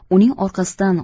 uning orqasidan